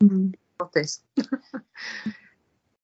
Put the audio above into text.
Hmm. Ffodus.